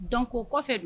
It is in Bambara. Dɔn ko kɔfɛ